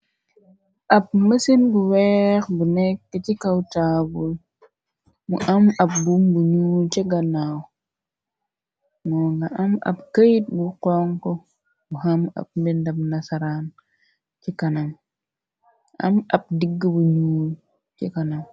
Ab mësin bu weex bu nekka ci kaw tabull mu am ab bum bu ñu ce ganaw moo nga am ab kayit bu xonxu bu ham ab mbindam nasaraan ci kanam am ab digg bu ñuul ci kanam.